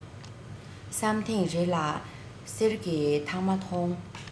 བསམ ཐེངས རེ ལ གསེར གྱི ཐང མ མཐོང